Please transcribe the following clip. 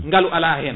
ngaalu ala hen